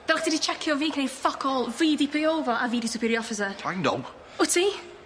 Fel chdi 'di tsiecio fi'n gneud fuck all, fi 'di Pee Owe fo, a fi 'di superior officer. I know. Wt ti?